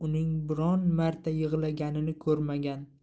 uning biron marta yig'laganini ko'rmagan